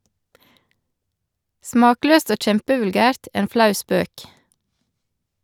- Smakløst og kjempevulgært, en flau spøk.